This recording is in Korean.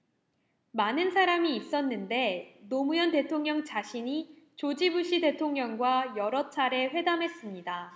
많은 사람이 있었는데 노무현 대통령 자신이 조지 부시 대통령과 여러 차례 회담했습니다